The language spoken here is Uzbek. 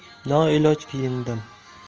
uchun noiloj kiyindim